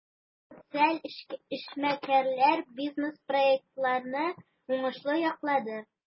КФУда социаль эшмәкәрләр бизнес-проектларны уңышлы яклады.